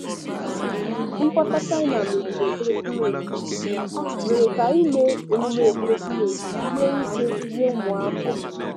Mkpọsa China megide ekeresimesi mere ka ime emume ekeresimesi sie ike nye ụmụafọ.